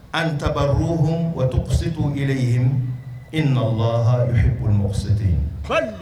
An tar h wa setu ye ye i nanalaha kolomɔgɔ sete yen